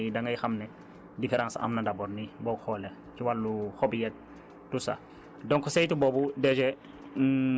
ban différence d' abord ci boo xoolee rekk dangay dangay xam ne différence am na d' abord nii boo ko xoolee ci wàllu xob yeeg tout ça